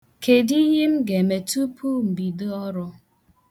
Kedu ihe m ga-eme tupu m bido ọrụ?